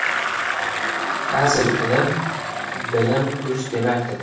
asl ilm bilim kuch demakdir